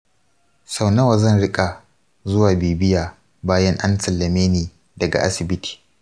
sau nawa zan rika zuwa bibiya bayan an sallame ni daga asibiti?